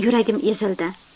yuragim ezildi